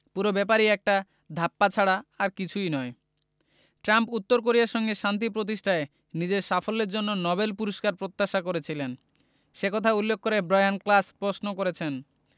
পুরো ব্যাপারই একটা ধাপ্পা ছাড়া আর কিছু নয় ট্রাম্প উত্তর কোরিয়ার সঙ্গে শান্তি প্রতিষ্ঠায় নিজের সাফল্যের জন্য নোবেল পুরস্কার প্রত্যাশা করেছিলেন সে কথা উল্লেখ করে ব্রায়ান ক্লাস প্রশ্ন করেছেন